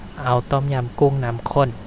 เอาต้มยำกุ้งน้ำข้น